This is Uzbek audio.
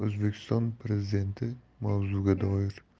o'zbekiston prezidentimavzuga doir